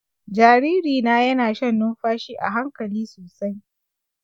jaririna yana shan numfashi a hankali sosai.